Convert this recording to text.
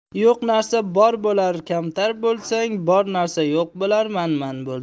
yo'q narsa bor bo'lar kamtar bo'lsang bor narsa yo'q bo'lar manman bo'lsang